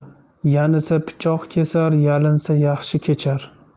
yanisa pichoq kesar yalinsa yaxshi kechar